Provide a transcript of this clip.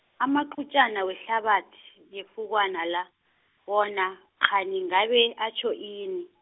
amaqutjana wehlabathi, yefukwana la, wona, kghani, ngabe, atjho ini.